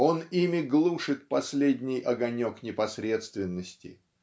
он ими глушит последний огонек непосредственности.